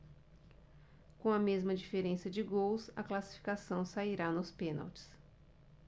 com a mesma diferença de gols a classificação sairá nos pênaltis